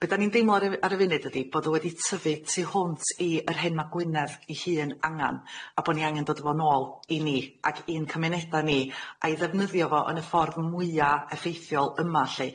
Be' 'dan ni'n deimlo ar y ar y funud ydi bod o wedi tyfu tu hwnt i yr hyn ma' Gwynedd i hun angan a bo ni angen dod a fo nôl i ni ac i'n cymuneda ni a'i ddefnyddio fo yn y ffordd mwya effeithiol yma lly.